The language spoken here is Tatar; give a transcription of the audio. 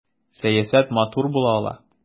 Сәясәт матур була ала!